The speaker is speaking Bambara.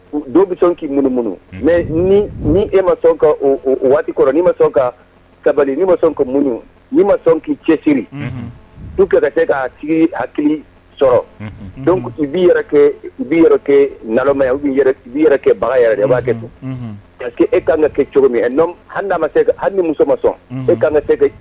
Don bɛ sɔn k'i mun minnuunu mɛ ni ni e ma sɔn ka waati kɔrɔ'i ma sɔn ka ka ni ma sɔn ka mununu nii ma sɔn k'i cɛsiri du kɛ ka kɛ k'a sigi hakili sɔrɔ bi bi kɛ naya bi yɛrɛ kɛ baara yɛrɛ yan b'a kɛ don ka kɛ e ka kan ka kɛ cogo min hali' ma se hali ni muso ma sɔn e kan